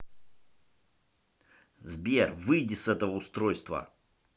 сбер выйди с этого устройства